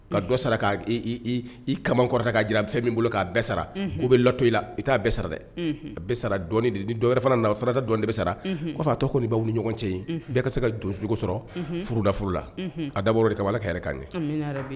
Nka dɔ sara k' i kama kɔrɔta k'a jira bɛ fɛn min bolo k'a bɛɛ sara u bɛ latɔ i la i t'a bɛɛ sara dɛ a bɛ sara dɔn ni dɔɛrɛ wɛrɛ fana na farata dɔn bɛ sara fo fa a tɔgɔ kɔni bawaw ni ɲɔgɔn cɛ in bɛɛ ka se ka donjugu sɔrɔ furuda furula a dabɔ de ka' yɛrɛ ka ɲɛ